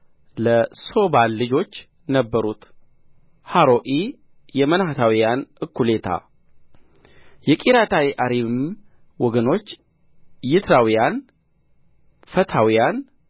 ለሦባል ልጆች ነበሩት ሀሮኤ የመናሕታውያን እኵሌታ የቂርያትይዓሪምም ወገኖች ይትራውያን ፉታውያን